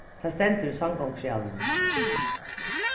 tað stendur í samgonguskjalinum